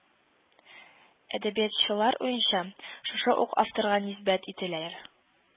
Әдәбиятчылар уенча, шушы ук авторга нисбәт ителәләр